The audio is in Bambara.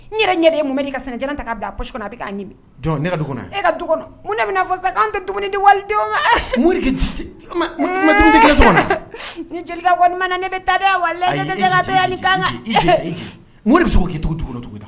N yɛrɛ ɲɛ de ye Momedi ye ka sɛnɛ jalan ta ka bila a poche kɔnɔ a bi ka ɲimi. Jɔ ne ka du kɔnɔ ? e ka du kɔnɔ . Mun de bi na fɔ sisan kanw tɛ dumuni di walidenw ma . Ni jelika kɔni ma na ne bi taa dɛ . Ne ti se ka to yan nin kan .